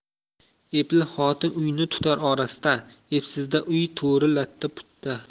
epli xotin uyni tutar orasta epsizda uy to'ri latta putta